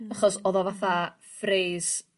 Achos odd o fatha phrase